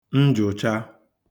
̀njụcha